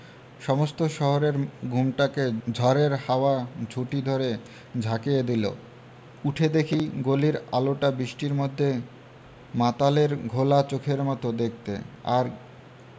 সমস্ত শহরের ঘুমটাকে ঝড়ের হাওয়া ঝুঁটি ধরে ঝাঁকিয়ে দিলে উঠে দেখি গলির আলোটা বৃষ্টির মধ্যে মাতালের ঘোলা চোখের মত দেখতে আর